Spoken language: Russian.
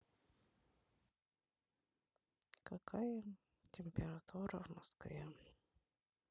какая температура в москве